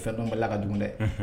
Bala la ka dun dɛ